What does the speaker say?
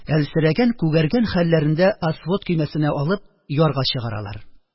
Әлсерәгән-күгәргән хәлләрендә «освод» көймәсенә алып, ярга чыгаралар.